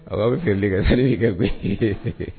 A b'a bɛ fɛ ka naani ka bɛ